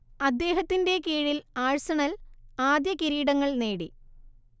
അദ്ദേഹത്തിന്റെ കീഴിൽ ആഴ്സണൽ ആദ്യ കിരീടങ്ങൾ നേടി